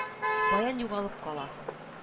Баян югалып кала